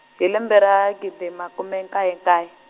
hi lembe ra gidi makume nkaye nkaye.